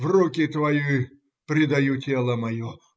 В руки твои предаю тело мое.